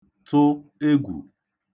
tụ egwù